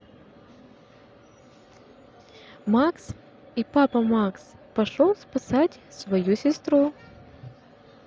макс и папа макс пошел спасать свою сестру